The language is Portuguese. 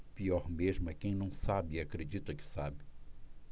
pior mesmo é quem não sabe e acredita que sabe